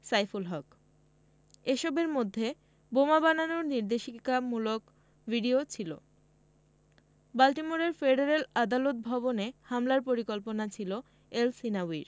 সাইফুল হক এসবের মধ্যে বোমা বানানোর নির্দেশিকামূলক ভিডিও ছিল বাল্টিমোরের ফেডারেল আদালত ভবনে হামলার পরিকল্পনা ছিল এলসহিনাউয়ির